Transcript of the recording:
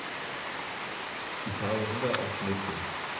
Ich habe Hunger auf Schnitzel.